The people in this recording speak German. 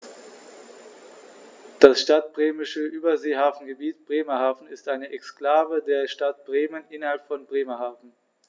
Das Stadtbremische Überseehafengebiet Bremerhaven ist eine Exklave der Stadt Bremen innerhalb von Bremerhaven.